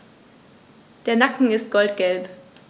Der Nacken ist goldgelb.